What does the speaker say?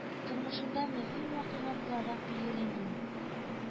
Тормышында мөһим вакыйга буларак билгеләнгән